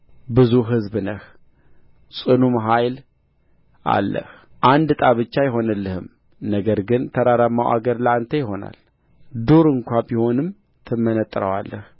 ብዙ ሕዝብ ነህ ጽኑም ኃይል አለህ አንድ ዕጣ ብቻ አይሆንልህም ነገር ግን ተራራማው አገር ለአንተ ይሆናል ዱር እንኳን ቢሆንም ትመነጥረዋለህ